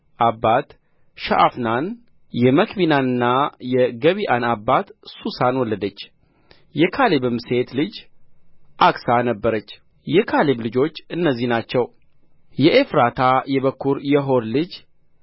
አባት ሸዓፍንና የመክቢናንና የጊብዓን አባት ሱሳን ወለደች የካሌብም ሴት ልጅ ዓክሳ ነበረች የካሌብ ልጆች እነዚህ ናቸው የኤፍራታ የበኵሩ የሆር ልጅ